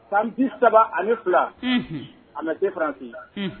San bi saba ani fila a ma denran fɛ